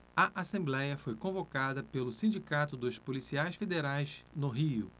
a assembléia foi convocada pelo sindicato dos policiais federais no rio